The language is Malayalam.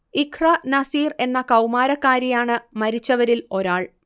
ഇഖ്ര നസീർ എന്ന കൗമാരക്കാരിയാണ് മരിച്ചവരിൽ ഒരാൾ